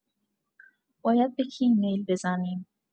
باید به کی ایمیل بزنیم؟